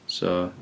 So...